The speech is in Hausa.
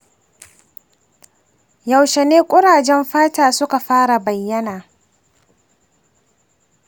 yaushe ne kurajen fata suka fara bayyana?